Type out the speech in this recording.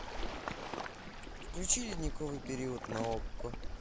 включи ледниковый период на окко